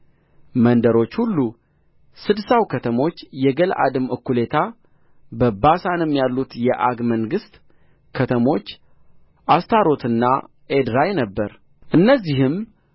መንደሮች ሁሉ ስድሳው ከተሞች የገለዓድም እኩሌታ በባሳንም ያሉት የዐግ መንግሥት ከተሞች አስታሮትና ኤድራይ ነበረ እነዚህም